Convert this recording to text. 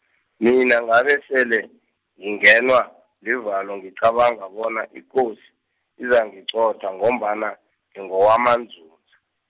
mina ngabesele, ngingenwa, livalo ngicabanga bona ikosi, izangiqotha ngombana, ngingowamaNdzundza.